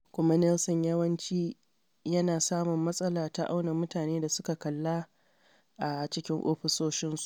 Kuma Nielsen yawanci yana samun matsala ta auna mutane da suka kalla a cikin ofisoshinsu.